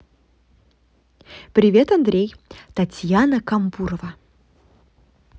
привет андрей татьяна камбурова